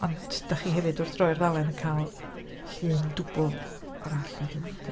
Ond dach chi hefyd wrth droi'r ddalen, yn cael llun dwbl arall wedyn.